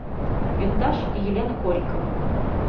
винтаж и елена корикова